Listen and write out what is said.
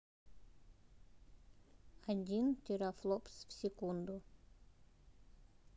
один терафлопс в секунду